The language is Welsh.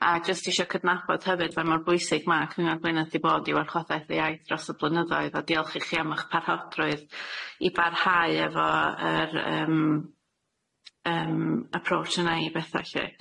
A jyst isio cydnabod hefyd faint mor bwysig ma' cyngor blaenaith di bod i warchoddaeth y iaith dros y blynyddoedd a diolch i chi am eich parhodrwydd i barhau efo yr yym yym approach yna i betha lly.